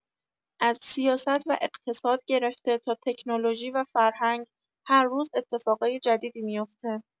از سیاست و اقتصاد گرفته تا تکنولوژی و فرهنگ، هر روز اتفاقای جدیدی میفته.